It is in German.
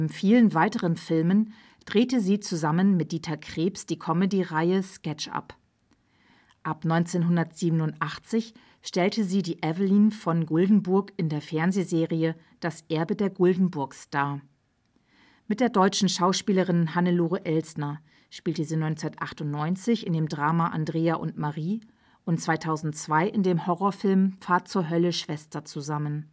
vielen weiteren Filmen drehte sie zusammen mit Diether Krebs die Comedy-Reihe Sketchup. Ab 1987 stellte sie die Evelyn von Guldenburg in der Fernsehserie Das Erbe der Guldenburgs dar. Mit der deutschen Schauspielerin Hannelore Elsner spielte sie 1998 in dem Drama Andrea und Marie und 2002 in dem Horrorfilm Fahr zur Hölle, Schwester! zusammen